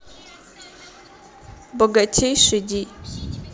богатейший ди